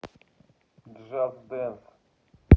джаз денс